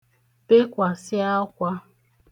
bekwàsị akwā